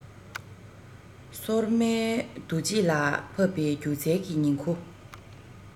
སོར མོའི འདུ བྱེད ལ ཕབ པའི སྒྱུ རྩལ གྱི ཉིང ཁུ